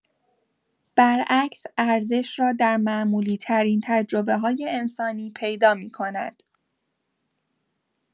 برعکس، ارزش را در معمولی‌ترین تجربه‌های انسانی پیدا می‌کند.